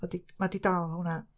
Ma' 'di ma' 'di dal hwnna.